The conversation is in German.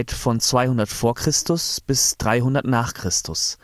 von 200 v. Chr. bis 300 n. Chr.